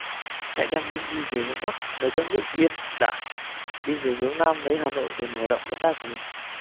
hãy đem binh đi về hướng bắc lấy các nước yên đại đi về hướng nam lấy hà nội để mở rộng đất đai của mình